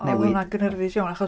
O oedd hwnna'n gynhyrfus iawn achos...